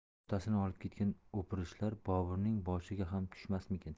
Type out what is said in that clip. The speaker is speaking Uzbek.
otasini olib ketgan o'pirilishlar boburning boshiga ham tushmasmikin